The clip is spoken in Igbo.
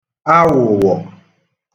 awụ̀wọ̀